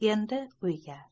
endi uyga